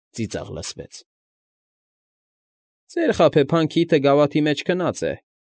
Ծիծաղ լսվեց։֊ Ծեր խաբեբան քիթը գավաթի մեջ քնած է։